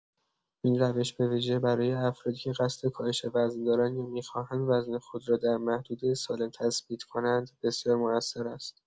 این روش به‌ویژه برای افرادی که قصد کاهش وزن دارند یا می‌خواهند وزن خود را در محدوده سالم تثبیت کنند، بسیار مؤثر است.